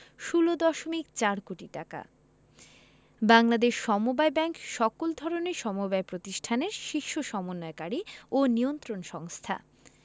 ১৬দশমিক ৪ কোটি টাকা বাংলাদেশ সমবায় ব্যাংক সকল ধরনের সমবায় প্রতিষ্ঠানের শীর্ষ সমন্বয়কারী ও নিয়ন্ত্রণ সংস্থা